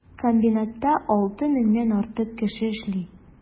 Комбинатта 6 меңнән артык кеше эшли.